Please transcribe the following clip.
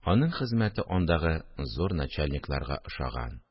Аның хезмәте андагы зур начальникларга ошаган